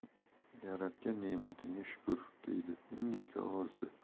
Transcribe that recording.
yaratgan nematingga shukur deydi ingichka ovozda